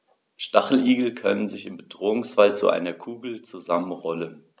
Stacheligel können sich im Bedrohungsfall zu einer Kugel zusammenrollen.